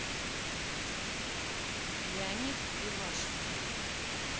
леонид левашов